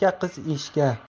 yaramas erka qiz ishga